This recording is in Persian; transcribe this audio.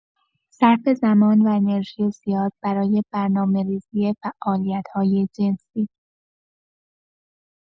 صرف زمان و انرژی زیاد برای برنامه‌ریزی فعالیت‌های جنسی